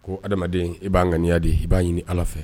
Ko adamaden i b'aan ŋaniya de, i b'a ɲini allah fɛ.